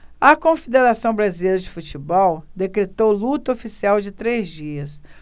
a confederação brasileira de futebol decretou luto oficial de três dias